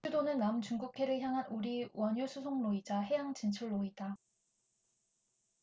제주도는 남중국해를 향한 우리 원유수송로이자 해양 진출로이다